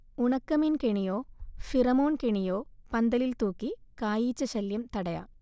ഉണക്കമീൻ കെണിയോ, ഫിറമോൺ കെണിയോ പന്തലിൽ തൂക്കി കായീച്ചശല്യം തടയാം